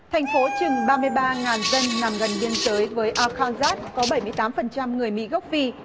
thành phố chừng ba mươi ba ngàn dân nằm gần biên giới với a kan sát có bảy mươi tám phần trăm người mỹ gốc phi